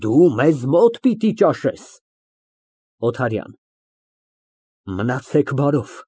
Դու մեզ մոտ պիտի ճաշես։ ՕԹԱՐՅԱՆ ֊ Մնացեք բարով։